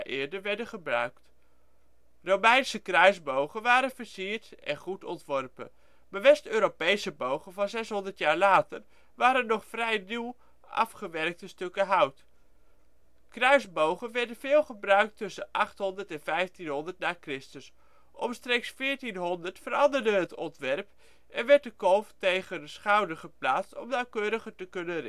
eerder werden gebruikt. Romeinse kruisbogen waren versierd en goed ontworpen, maar West-Europese bogen van 600 jaar later waren nog vrij ruw afgewerkte stukken hout. Kruisbogen werden veel gebruikt tussen 800 en 1500 na Christus. Omstreeks 1400 veranderde het ontwerp, en werd de kolf tegen de schouder geplaatst om nauwkeuriger te kunnen richten